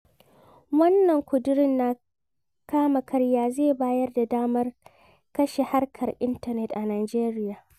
Wanna ƙudurin na kama-karya zai bayar da damar kashe harkar intanet a Najeriya.